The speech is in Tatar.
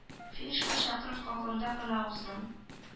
Финишка чакрым калганда гына уздым